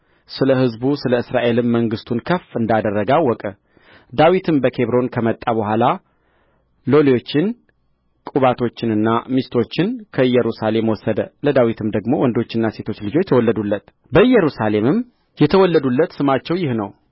ስለ ሕዝቡ ስለ እስራኤልም መንግሥቱን ከፍ እንዳደረገ አወቀ ዳዊትም ከኬብሮን ከመጣ በኋላ ሌሎቹን ቁባቶቹንና ሚስቶቹን ከኢየሩሳሌም ወሰደ ለዳዊትም ደግሞ ወንዶችና ሴቶች ልጆች ተወለዱለት በኢየሩሳሌምም የተወለዱለት ስማቸው ይህ ነው